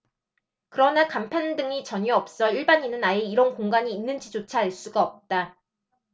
그러나 간판 등이 전혀 없어 일반인은 아예 이런 공간이 있는지조차 알 수가 없다